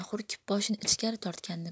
hurkib boshini ichkari tortganini ko'rdi